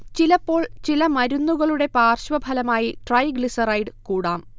ചിലപ്പോൾ ചില മരുന്നുകളുടെ പാർശ്വഫലമായി ട്രൈഗ്ലിസറൈഡ് കൂടാം